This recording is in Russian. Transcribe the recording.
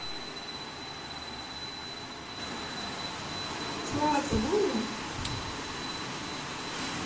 целоваться будем